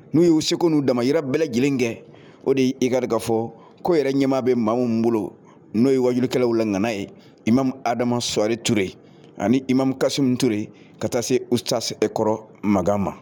N'u y u segu n'u dama yira bɛ lajɛlen kɛ o de y ii ka ga fɔ ko yɛrɛ ɲɛmaa bɛ maa min bolo n'o ye wajukɛlaww lagana ye i ma ha adama sɔɔrire toure ani i ma kasis tour ka taa se usa e kɔrɔ ma ma